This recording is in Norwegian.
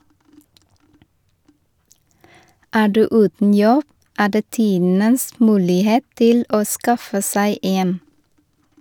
Er du uten jobb, er det tidenes mulighet til å skaffe seg en.